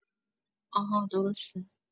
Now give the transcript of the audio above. آها درسته